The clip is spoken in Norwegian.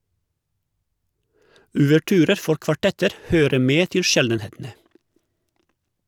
Ouverturer for kvartetter hører med til sjeldenhetene.